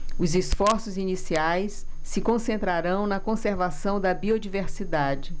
os esforços iniciais se concentrarão na conservação da biodiversidade